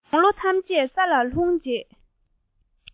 སྡོང ལོ ཐམས ཅད ས ལ ལྷུང རྗེས